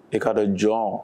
I k'a dɔn jɔn